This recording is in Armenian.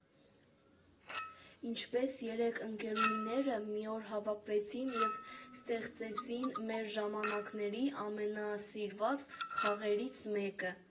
Ինչպես երեք ընկերուհիներ մի օր հավաքվեցին և ստեղծեցին մեր ժամանակների ամենասիրված խաղերից մեկը։